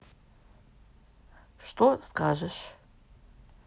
что скажешь